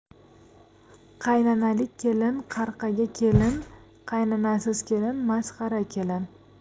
qaynanalik kelin qarqara kelin qaynanasiz kelin masxara kelin